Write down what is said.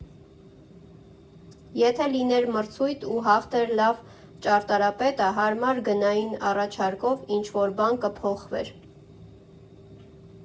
Եթե լիներ մրցույթ ու հաղթեր լավ ճարտարապետը՝ հարմար գնային առաջարկով, ինչ֊որ բան կփոխվեր։